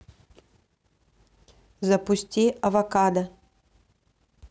запусти авокадо